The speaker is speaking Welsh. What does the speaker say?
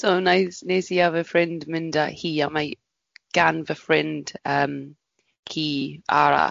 So wnaeth, wnes i a fy ffrind mynd â hi a mae gan fy ffrind yym ci arall.